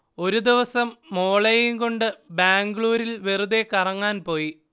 ഒരു ദിവസം മോളേയും കൊണ്ട് ബാംഗ്ലൂരിൽ വെറുതെ കറങ്ങാൻ പോയി